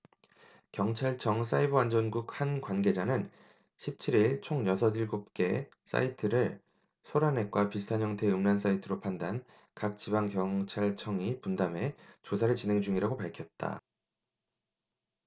경찰청 사이버안전국 한 관계자는 십 칠 일 총 여섯 일곱 개 사이트를 소라넷과 비슷한 형태의 음란 사이트로 판단 각 지방경찰청이 분담해 조사를 진행중이라고 밝혔다